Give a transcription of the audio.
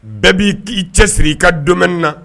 Bɛɛ b'i i cɛ siri i ka don na